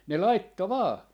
ne laittoi vain